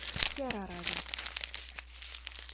Ярар, Азат.